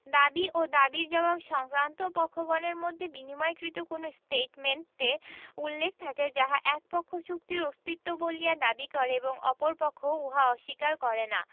দাবী ও দাবীর জবাব সংক্রান্ত পক্ষগণের মধ্যে বিনিময়কৃত কোন ষ্টেটমেন্টে উল্লেখ থাকে যাহা এক পক্ষ চুক্তির অস্তিত্ব বলিয়া দাবী করে এবং অপর পক্ষ উহা অস্বীকার করে না